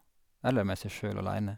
Eller med seg sjøl alene.